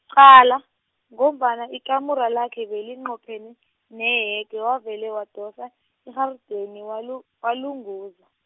qala ngombana ikamero lakhe belinqophene, neyege wavele wadosa, irharideni walu- walunguza.